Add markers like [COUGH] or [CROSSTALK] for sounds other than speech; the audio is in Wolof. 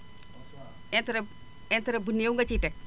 [CROSSTALK] interet interet bu néew nga ciy teg